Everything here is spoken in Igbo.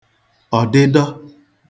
ọ̀dịdọ